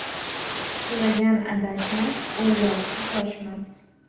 so'ragan adashmas o'ylovchi shoshmas